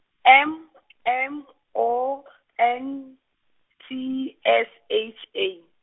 M M O N, T S H A.